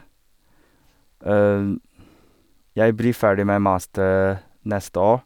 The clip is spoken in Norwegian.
Jeg blir ferdig med master neste år.